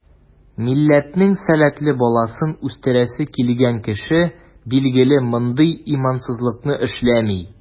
Милләтнең сәләтле баласын үстерәсе килгән кеше, билгеле, мондый имансызлыкны эшләми.